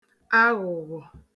aghụ̀ghọ̀